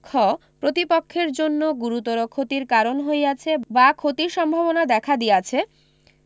খ প্রতিপক্ষের জন্য গুরুতর ক্ষতির কারণ হইয়াছে বা ক্ষতির সম্ভাবনা দেখা দিয়াছে